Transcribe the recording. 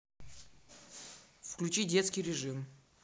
включить детский режим